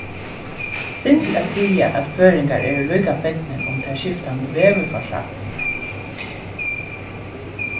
synd at siga at føroyingar eru líka fegnir um tær skiftandi veðurforsagnirnar